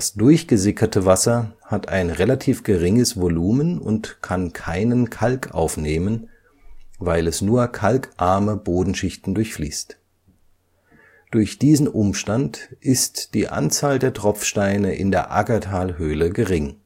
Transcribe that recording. durchgesickerte Wasser hat ein relativ geringes Volumen und kann keinen Kalk aufnehmen, weil es nur kalkarme Bodenschichten durchfließt. Durch diesen Umstand ist die Anzahl der Tropfsteine in der Aggertalhöhle gering